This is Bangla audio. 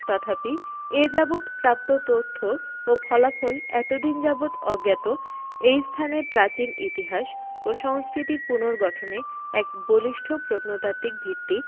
তথাপি এ যাবৎ প্রাপ্ত তথ্য ও ফলাফল এতদিন যাবৎ অজ্ঞাত এই স্থানের প্রাচীন ইতিহাস ও সংস্কৃতি পুনর্গঠনে এক বলিষ্ঠ প্রত্নতাত্ত্বিক ভিত্তি